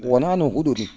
wonaa no hu?o nii